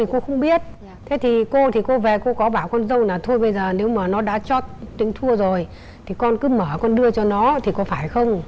cô thì không biết thế thì cô thì cô về cô cô bảo con dâu là thôi bây giờ nếu mà nó đã chót từng thua rồi thì con cứ mở con đưa cho nó thì có phải không